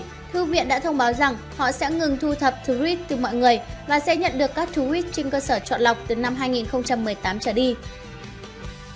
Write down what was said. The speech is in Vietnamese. thư viện đã thông báo rằng họ sẽ ngừng thu thập tweet từ mọi người và sẽ nhận được các tweet trên cơ sở chọn lọc từ năm trở đi